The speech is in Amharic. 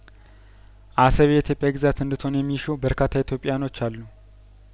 አሰብ የኢትዮጵያ ግዛት እንድት ሆን የሚሹ በርካታ ኢትዮጵያውያኖች አሉ